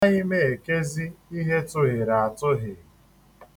A maghị m ekezi ihe tughịrị atụghị.